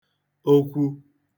okwu